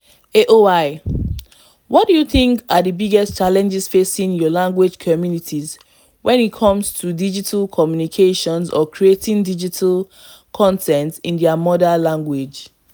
(AOY): What do you think are the biggest challenges facing your language community when it comes to digital communications or creating digital content in their mother language?